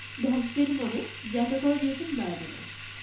ভক্তদের মনে জায়গা করে নিয়েছেন ম্যারাডোনা